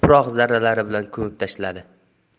zarralari bilan ko'mib tashladi